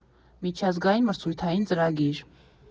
Միջազգային մրցույթային ծրագիր։